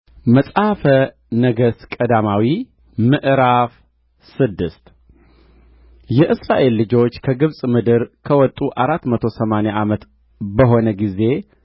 መጽሐፈ ነገሥት ቀዳማዊ ምዕራፍ ስድስት የእስራኤል ልጆች ከግብጽ ምድር ከወጡ አራት መቶ ሰማንያ ዓመት በሆነ ጊዜ